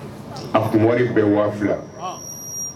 A kunri bɛ waaula